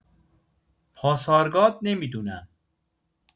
پاسارگاد نمی‌دونم